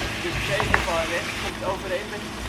tweede van rechts, komt overeen met het